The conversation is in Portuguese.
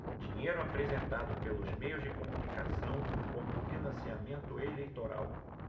dinheiro apresentado pelos meios de comunicação como financiamento eleitoral